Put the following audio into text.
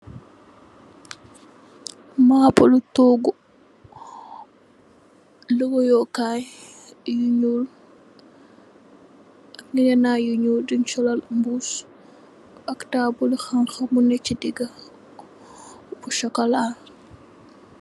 Mabulu toogu, lu woyo kaay yu ñuul ak gègehnay yu ñuul yun sola buss ak taabl hankha bu nekka ci digga bu sokola.